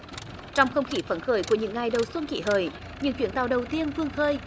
trong không khí phấn khởi của những ngày đầu xuân kỷ hợi những chuyến tàu đầu tiên vươn khơi